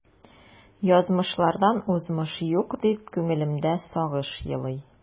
Язмышлардан узмыш юк, дип күңелемдә сагыш елый.